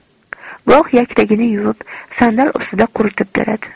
goh yaktagini yuvib sandal ustida quritib beradi